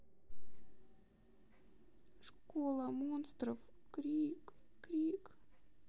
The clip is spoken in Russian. школа монстров крик крик